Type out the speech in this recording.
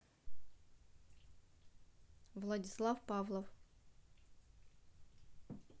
владислав павлов